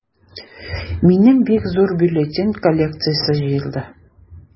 Минем бик зур бюллетень коллекциясе җыелды.